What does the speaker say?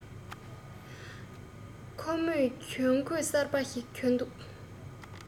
ཁོ མོས གྱོན གོས གསར པ ཞིག གྱོན འདུག